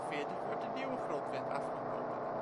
1848 wordt de nieuwe Grondwet afgekondigd